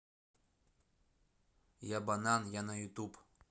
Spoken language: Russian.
я банан я на ютуб